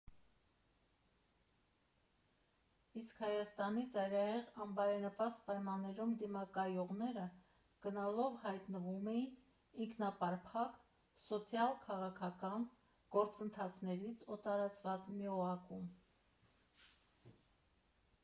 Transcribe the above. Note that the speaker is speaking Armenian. Իսկ Հայաստանի ծայրահեղ անբարենպաստ պայմաններում դիմակայողները գնալով հայտնվում էին ինքնապարփակ՝ սոցիալ֊քաղաքական գործընթացներից օտարացված մի օղակում։